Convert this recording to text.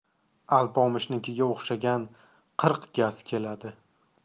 alpomishnikiga o'xshab qirq gaz keladi